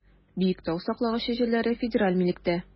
Биектау саклагычы җирләре федераль милектә.